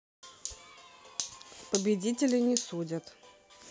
победителей не судят